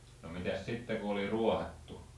no mitäs sitten kun oli ruohattu